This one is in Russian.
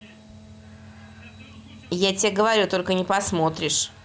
я тебе говорю только не посмотришь